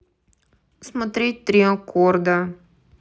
смотреть три аккорда